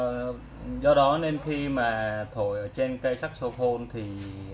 do đó nên khi thổi trên cây saxophone thì